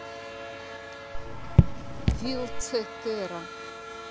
will the terra